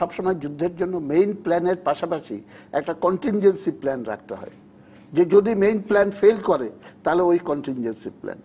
সবসময় যুদ্ধের জন্য মেইন প্লানের পাশাপাশি একটা কন্টিনজেন্সি প্ল্যান রাখতে হয় যে যদি মেইন প্লান ফেল করে তাহলে ওই কন্টিনজেন্সি প্ল্যান